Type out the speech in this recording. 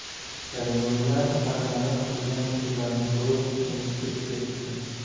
karimulla taxlanib turgan pullarni ko'rib entikib ketdi